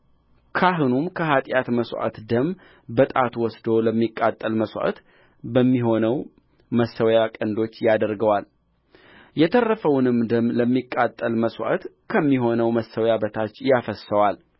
ካህኑም ከኃጢአት መሥዋዕት ደም በጣቱ ወስዶ ለሚቃጠል መሥዋዕት በሚሆነው መሠዊያ ቀንዶች ያደርገዋል የተረፈውንም ደም ለሚቃጠል መሥዋዕት ከሚሆነው መሠዊያ በታች ያፈስሰዋል